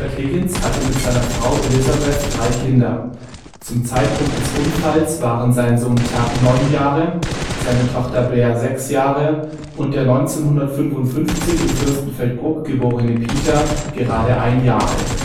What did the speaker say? Higgins hatte mit seiner Frau Elisabeth drei Kinder; zum Zeitpunkt des Unfalls waren sein Sohn Tuck neun Jahre, seine Tochter Blair sechs Jahre und der 1955 in Fürstenfeldbruck geborene Peter gerade ein Jahr alt